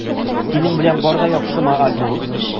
Синең белән бар да яхшымы, Альбус?